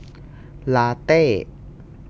ลาเต้